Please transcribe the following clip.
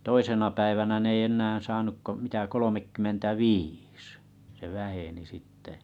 toisena päivänä ne ei enää saanut kuin mitä kolmekymmentäviisi se väheni sitten